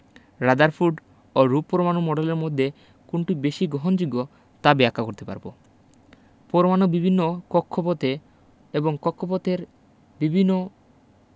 Rutherford ও রুব পরমাণু মডেলের মধ্যে কোনটি বেশি গহণযোগ্য তা ব্যাখ্যা করতে পারব পরমাণুর বিভিন্ন কক্ষপথে এবং কক্ষপথের বিভিন্ন